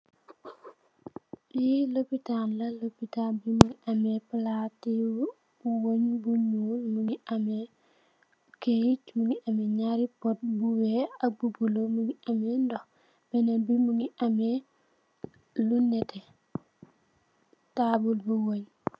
Yi lopitan la, lopitan mingi ame palati wëñ bu ñul mingi ame keit, mingi ame nyarri pot bu weex ak bu bulu mingi ame ndox, benen bi mëngi ame lu nette, tabul bu wëñ.